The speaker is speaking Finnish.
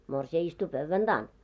morsian istui pöydän takana